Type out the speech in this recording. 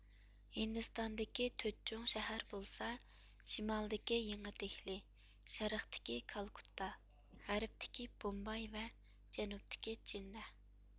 ھىندىستاندىكى تۆت چوڭ شەھەر بولسا شىمالدىكى يېڭى دېھلى شەرقتىكى كالكۇتتا غەربتىكى بومباي ۋە جەنۇبتىكى جىننەھ